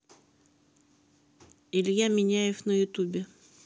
илья миняев на ютубе